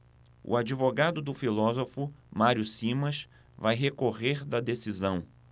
o advogado do filósofo mário simas vai recorrer da decisão